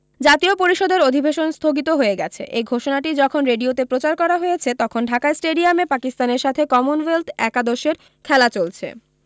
জাতীয় পরিষদের অধিবেশন স্থগিত হয়ে গেছে এ ঘোষণাটি যখন রেডিওতে প্রচার করা হয়েছে তখন ঢাকা স্টেডিয়ামে পাকিস্তানের সাথে কমনওয়েলথ একাদশের খেলা চলছে